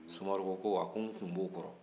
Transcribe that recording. sumaworo ko a ko n kun b'o kɔrɔ